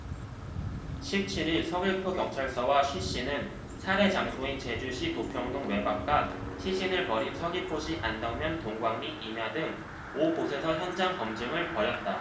십 칠 일 서귀포경찰서와 쉬씨는 살해 장소인 제주시 도평동 외곽과 시신을 버린 서귀포시 안덕면 동광리 임야 등 오 곳에서 현장검증을 벌였다